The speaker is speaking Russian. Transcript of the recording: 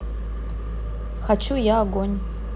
хочу я огонь